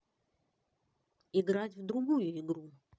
играть в другую игру